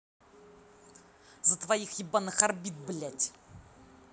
за твоих ебаных орбит блядь